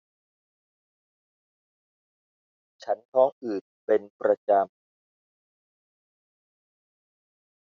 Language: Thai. ฉันท้องอืดเป็นประจำ